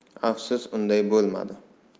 afsus unday bo'lmadi